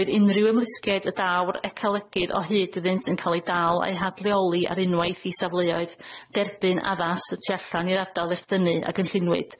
Bydd unrhyw ymlusgiaid y daw'r ecolegydd o hyd iddynt yn cael ei dal a'i hadleoli ar unwaith i safleoedd derbyn addas y tu allan i'r ardal echdynnu a gynllinwyd.